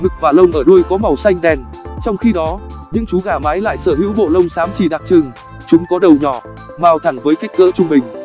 ngực và lông ở đuôi có màu xanh đen trong khi đó những chú gà mái lại sở hữu bộ lông xám chì đặc trưng chúng có đầu nhỏ mào thẳng với kích cỡ trung bình